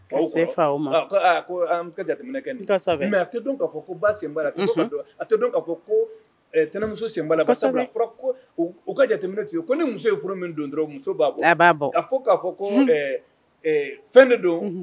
Fa fa ma ko jateminɛ kɛ mɛ a tɛ don k'a fɔ ko ba sen a tɛ don k'a fɔ ko tɛnɛnmuso sen lasa fɔra ko u ka jateye ko ni muso ye furu min don dɔrɔn muso b'a b'a a fɔ k'a fɔ fɛn de don